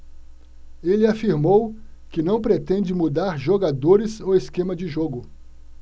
ele afirmou que não pretende mudar jogadores ou esquema de jogo